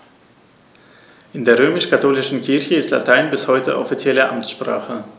In der römisch-katholischen Kirche ist Latein bis heute offizielle Amtssprache.